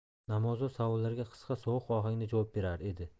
namozov savollarga qisqa sovuq ohangda javob berar edi